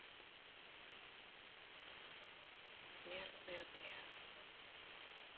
смертный отряд